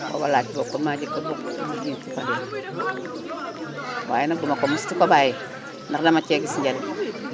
booba laa ca bokkoon maa njëkk a bokk lu jëm ci Pader wxaaye nag duma ko mos di ko bàyyi ndax dama cee gis njariñ